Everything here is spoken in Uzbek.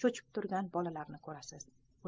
cho'chib turgan bolalarni ko'rasan